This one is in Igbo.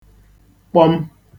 kpọm